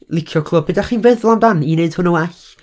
licio clywed be dach chi'n feddwl amdan, i wneud hwn yn well?